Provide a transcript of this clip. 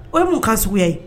O ye mun kan suguya ye?